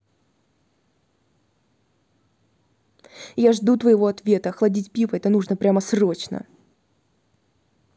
я жду твоего ответа охладить пиво это нужно прямо срочно